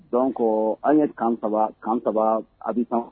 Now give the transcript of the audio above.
Dɔn kɔ an ye kan saba kan saba a bɛ